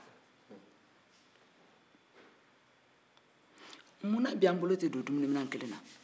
munna an bolo te don dumuniminɛn kelen kɔnɔ bi